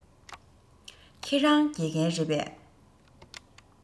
ཁྱེད རང དགེ རྒན རེད པས